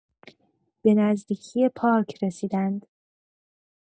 به نزدیکی پارک رسیدند.